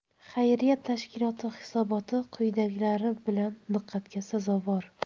xayriya tashkiloti hisoboti quyidagilari bilan diqqatga sazovor